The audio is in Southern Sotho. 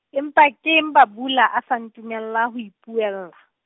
empa keng Bhabula a sa ntumella ho ipuella?